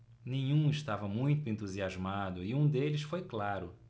nenhum estava muito entusiasmado e um deles foi claro